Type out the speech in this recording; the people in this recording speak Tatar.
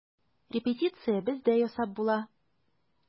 Репетиция бездә ясап була.